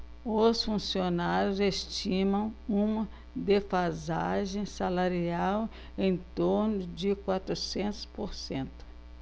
os funcionários estimam uma defasagem salarial em torno de quatrocentos por cento